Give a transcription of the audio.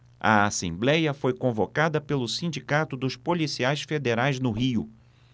a assembléia foi convocada pelo sindicato dos policiais federais no rio